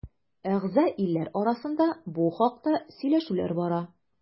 Әгъза илләр арасында бу хакта сөйләшүләр бара.